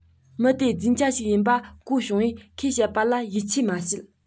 མི དེ རྫུན རྐྱལ ཞིག ཡིན པ གོ བྱུང བས ཁོས བཤད པ ལ ཡིད ཆེས མ བྱུང